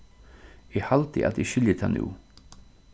eg haldi at eg skilji tað nú